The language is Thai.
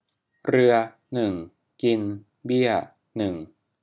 เรือหนึ่งกินเบี้ยหนึ่ง